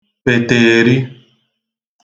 pètèèri